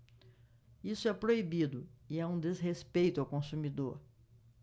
isso é proibido e é um desrespeito ao consumidor